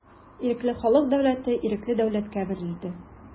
Ирекле халык дәүләте ирекле дәүләткә әверелде.